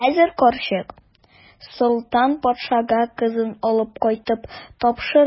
Хәзер карчык Солтан патшага кызын алып кайтып тапшыра.